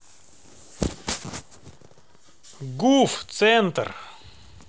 гуф центр